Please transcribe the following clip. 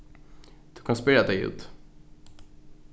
tú kanst bera tey út